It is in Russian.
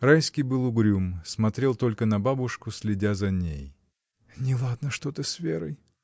Райский был угрюм, смотрел только на бабушку, следя за ней. — Неладно что-то с Верой!